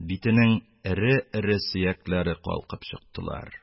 Битенең эре-эре сөякләре калкып чыктылар.